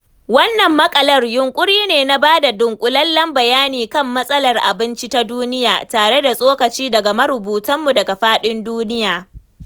Wannan maƙalar yunƙuri ne na ba da dunƙulallen bayani kan matsalar abinci ta duniya tare da tsokaci daga marubutanmu daga faɗin duniya.